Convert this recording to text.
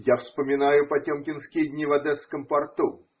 Я вспоминаю потемкинские дни в одесском порту.